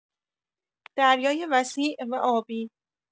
دریای وسیع و آبی